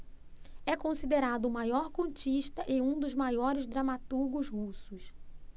é considerado o maior contista e um dos maiores dramaturgos russos